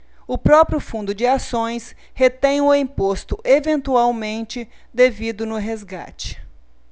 o próprio fundo de ações retém o imposto eventualmente devido no resgate